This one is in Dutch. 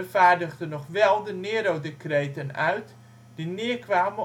vaardigde nog wel de ' Nero-decreten ' uit, die neerkwamen